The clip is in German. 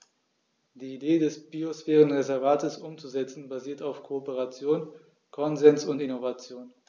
Die Idee des Biosphärenreservates umzusetzen, basiert auf Kooperation, Konsens und Innovation.